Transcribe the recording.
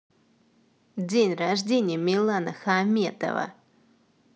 день рождения милана хаметова